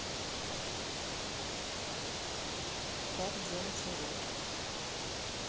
как делать уроки